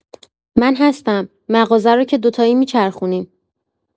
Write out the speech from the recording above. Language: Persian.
من هستم، مغازه رو که دوتایی می‌چرخونیم.